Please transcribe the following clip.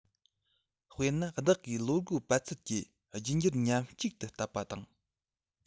དཔེར ན བདག གིས ལོ སྒོར པད ཚལ གྱི རྒྱུད འགྱུར མཉམ གཅིག ཏུ བཏབ པ དང